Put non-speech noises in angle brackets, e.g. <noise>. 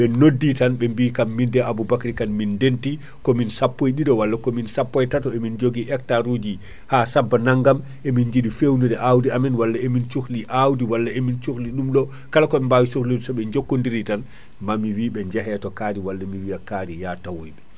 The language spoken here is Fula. ɓe noddi tan ɓe bikam minde Aboubacry Kane min denti <breath> <noise> komin sappo e ɗiɗo walla komin sappo e taato emin joogui hectares uji <breath> ha sabba naggam e min jiiɗi fewnude awdi amen walla e min cohli awdi walla e min cohli ɗum ɗo <breath> kala koɓe bawi cohlude so ɓe jokkodiritan mami wiɓe jeehe to kaari walla mi wiya kaarri ya tawoyɓe